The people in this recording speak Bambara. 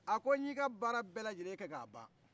a ko nyi ka baara bɛlajelen kɛ ka'a ban